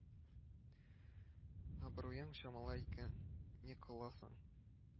Абруең чамалы икән, ни кыласың